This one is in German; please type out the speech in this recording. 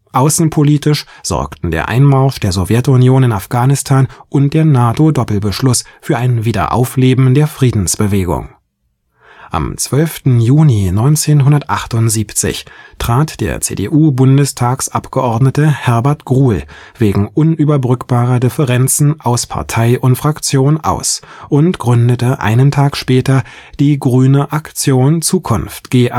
Außenpolitisch sorgten der Einmarsch der Sowjetunion in Afghanistan und der NATO-Doppelbeschluss für ein Wiederaufleben der Friedensbewegung. Am 12. Juni 1978 trat der CDU-Bundestagsabgeordnete Herbert Gruhl wegen unüberbrückbarer Differenzen aus Partei und Fraktion aus und gründete einen Tag später die Grüne Aktion Zukunft (GAZ